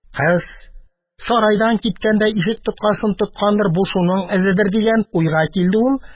Кыз, сарайдан киткәндә, ишек тоткасын тоткандыр, бу шуның эзедер» дигән уйга килде ул